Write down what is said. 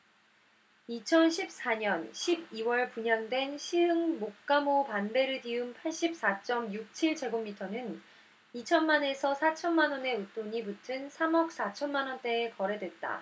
이천 십 사 년 십 이 월에 분양된 시흥목감호반베르디움 팔십 사 쩜 육 칠 제곱미터는 이천 만 에서 사천 만원의 웃돈이 붙은 삼 억 사천 만원대에 거래됐다